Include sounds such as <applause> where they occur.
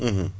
<hesitation> <hesitation>